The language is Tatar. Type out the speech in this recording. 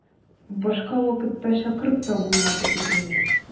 Башка вакытта чакырып та булмады үзеңне.